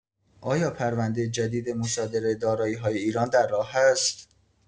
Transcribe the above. آیا پرونده جدید مصادره دارایی‌های ایران در راه است؟